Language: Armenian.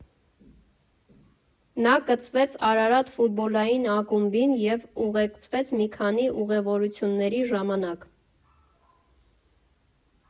Նա կցվեց «Արարատ» ֆուտբոլային ակումբին և ուղեկցեց մի քանի ուղևորությունների ժամանակ։